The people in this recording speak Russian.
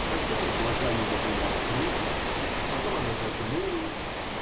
Сначала глаза ее были открыты, потом она зажмурилась.